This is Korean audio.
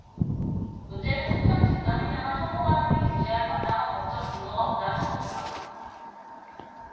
문제는 특정 집단을 향한 혐오발언을 규제할 마땅한 법적 근거가 없다는 점이다